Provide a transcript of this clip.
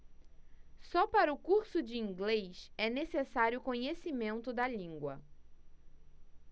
só para o curso de inglês é necessário conhecimento da língua